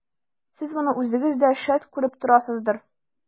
Сез моны үзегез дә, шәт, күреп торасыздыр.